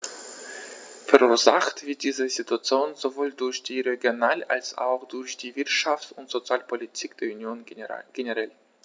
Verursacht wird diese Situation sowohl durch die Regional- als auch durch die Wirtschafts- und Sozialpolitik der Union generell.